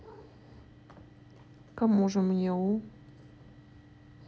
кому же мне у